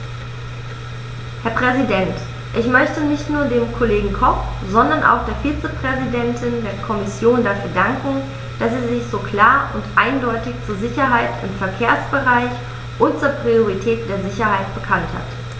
Herr Präsident, ich möchte nicht nur dem Kollegen Koch, sondern auch der Vizepräsidentin der Kommission dafür danken, dass sie sich so klar und eindeutig zur Sicherheit im Verkehrsbereich und zur Priorität der Sicherheit bekannt hat.